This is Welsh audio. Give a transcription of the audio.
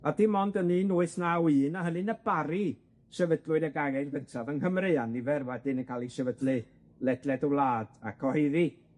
A dim ond yn un wyth naw un, a hynny yn y Bari, sefydlwyd y gangen gyntaf yng Nghymru, a nifer wedyn yn ca'l 'u sefydlu ledled y wlad a cyhoeddi